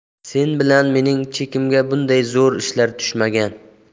sen bilan mening chekimga bunday zo'r ishlar tushmagan